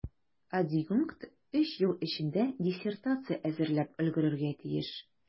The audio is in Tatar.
Адъюнкт өч ел эчендә диссертация әзерләп өлгерергә тиеш.